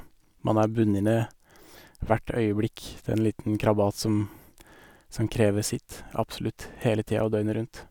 Man er bundet ned hvert øyeblikk til en liten krabat som som krever sitt, absolutt hele tida og døgnet rundt.